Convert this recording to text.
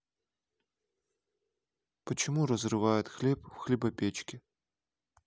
почему разрывает хлеб в хлебопечке